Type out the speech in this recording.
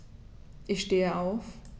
Ich stehe auf.